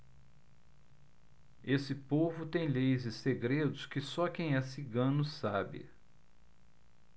esse povo tem leis e segredos que só quem é cigano sabe